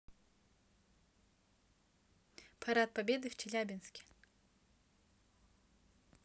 парад победы в челябинске